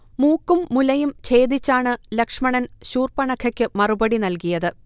മൂക്കും മുലയും ച്ഛേദിച്ചാണ് ലക്ഷ്മണൻ ശൂർപണഖയ്ക്ക് മറുപടി നൽകിയത്